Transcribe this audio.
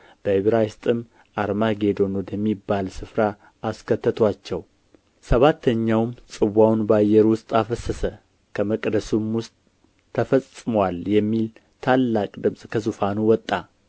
በዕብራይስጥም አርማጌዶን ወደሚባል ስፍራ እስከተቱአቸው ሰባተኛውም ጽዋውን በአየር ውስጥ አፈሰሰ ከመቅደሱም ውስጥ ተፈጽሞአል የሚል ታላቅ ድምጽ ከዙፋኑ ወጣ